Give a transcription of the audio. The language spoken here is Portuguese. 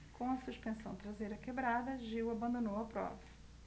com a suspensão traseira quebrada gil abandonou a prova